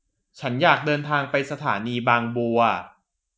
ฉันอยากเดินทางไปสถานีบางบัว